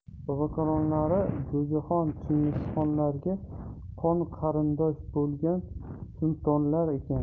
bobokalonlari jo'jixon chingizxonlarga qon qarindosh bo'lgan sultonlar ekan